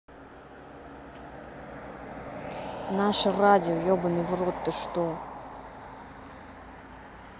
наше радио ебаный в рот ты что